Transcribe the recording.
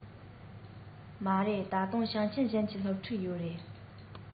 མ རེད ད དུང ཞིང ཆེན གཞན གྱི སློབ ཕྲུག ཡོད རེད